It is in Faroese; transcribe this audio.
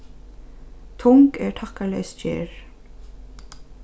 tung er takkarleys gerð